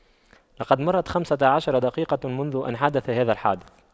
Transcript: لقد مرت خمسة عشر دقيقة منذ أن حدث هذا الحادث